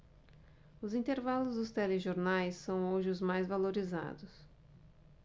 os intervalos dos telejornais são hoje os mais valorizados